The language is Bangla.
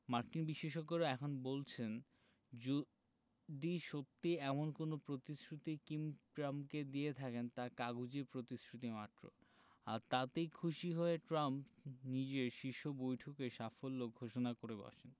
মার্কিন বিশেষজ্ঞেরা এখন বলছেন যদি সত্যি এমন কোনো প্রতিশ্রুতি কিম ট্রাম্পকে দিয়ে থাকেন তা কাগুজে প্রতিশ্রুতিমাত্র আর তাতেই খুশি হয়ে ট্রাম্প নিজের শীর্ষ বৈঠকের সাফল্য ঘোষণা করে বসেন